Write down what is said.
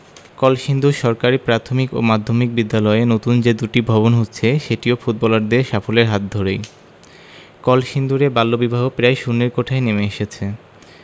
কলসিন্দুর সরকারি প্রাথমিক ও মাধ্যমিক বিদ্যালয়ে নতুন যে দুটি ভবন হচ্ছে সেটিও ফুটবলারদের সাফল্যের হাত ধরেই কলসিন্দুরে বাল্যবিবাহ প্রায় শূন্যের কোঠায় নেমে এসেছে